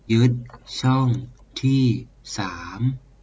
ยึดช่องที่สาม